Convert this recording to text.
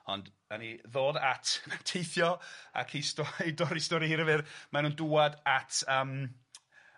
Ond 'dan ni ddod at teithio ac i sto- i dorri stori hir y' fyr ma nw'n dŵad at yym